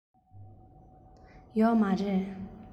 ཡོད མ རེད